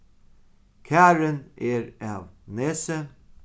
karin er av nesi